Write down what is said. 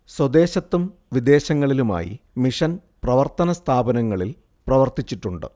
സ്വദേശത്തും വിദേശങ്ങളിലുമായി മിഷൻ പ്രവർത്തന സ്ഥാപനങ്ങളിൽ പ്രവർത്തിച്ചിട്ടുണ്ട്